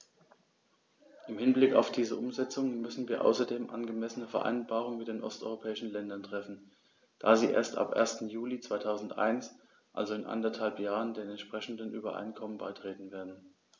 Im Hinblick auf diese Umsetzung müssen wir außerdem angemessene Vereinbarungen mit den osteuropäischen Ländern treffen, da sie erst ab 1. Juli 2001, also in anderthalb Jahren, den entsprechenden Übereinkommen beitreten werden.